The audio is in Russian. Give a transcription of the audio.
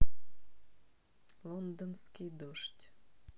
лондонский дождь